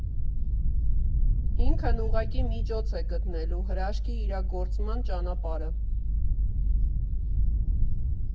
Ինքն ուղղակի միջոց է՝ գտնելու հրաշքի իրագործման ճանապարհը։